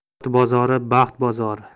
ot bozori baxt bozori